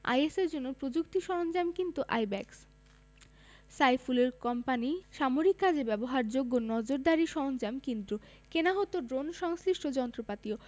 আইএসের জন্য প্রযুক্তি সরঞ্জাম কিনত আইব্যাকস সাইফুলের কোম্পানি সামরিক কাজে ব্যবহারযোগ্য নজরদারি সরঞ্জাম কিনত কেনা হতো ড্রোন সংশ্লিষ্ট যন্ত্রপাতিও